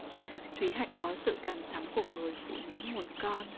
thúy hạnh có sự đằm thắm của người phụ nữ một con